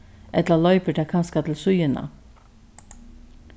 ella loypur tað kanska til síðuna